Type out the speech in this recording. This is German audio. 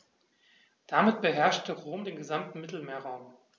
Damit beherrschte Rom den gesamten Mittelmeerraum.